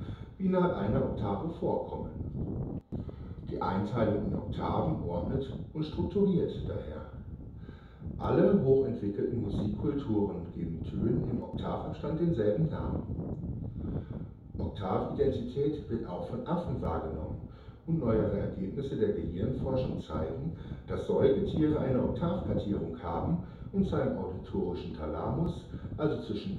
wie innerhalb einer Oktave vorkommen. Die Einteilung in Oktaven ordnet und strukturiert daher. Alle hoch entwickelten Musik-Kulturen geben Tönen im Oktavabstand denselben Namen. Oktavidentität wird auch von Affen wahrgenommen, und neuere Ergebnisse der Gehirnforschung zeigen, daß Säugetiere eine Oktavkartierung haben, und zwar im auditorischen Thalamus, also zwischen